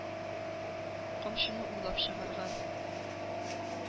Камчыны уйлап чыгарган.